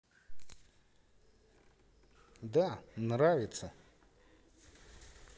да нравится